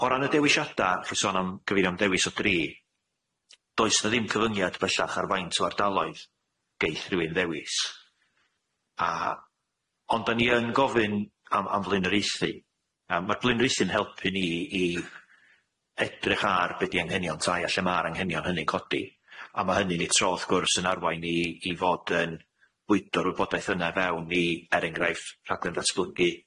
O ran y dewishiada 'athoch chi sôn am gyfeirion dewis o dri does 'na ddim cyfyngiad bellach ar faint o ardaloedd geith rywun ddewis a ond 'dan ni yn gofyn am am fleunorieuthu a ma'r bleunorieuthu'n helpu ni i edrych ar be' 'di anghenion tai a lle ma'r anghenion hynny'n codi a ma' hynny'n 'i tro wrth gwrs yn arwain i i fod yn bwydo'r wybodaeth yna fewn i er enghraifft rhaglen datblygu